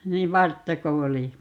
niin varttako oli